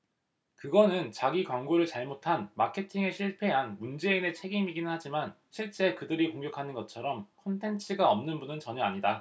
그거는 자기 광고를 잘 못한 마케팅에 실패한 문재인의 책임이기는 하지만 실제 그들이 공격하는 것처럼 콘텐츠가 없는 분은 전혀 아니다